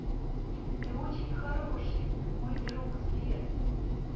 ты очень хороший мой друг сбер